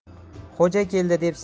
xo'ja keldi deb